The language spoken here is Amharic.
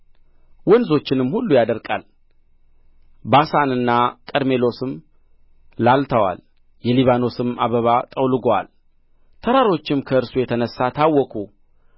ወንዞችንም ሁሉ ያደርቃል ባሳንና ቀርሜሎስም ላልተዋል የሊባኖስም አበባ ጠውልጎአል ተራሮችም ከእርሱ የተነሣ ታወኩ